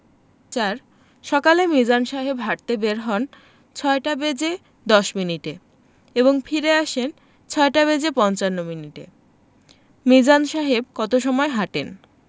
৪ সকালে মিজান সাহেব হাঁটতে বের হন ৬টা বেজে১০মিনিটে এবং ফিরে আসেন ৬টা বেজে৫৫মিনিটে মিজান সাহেব কত সময় হাঁটেন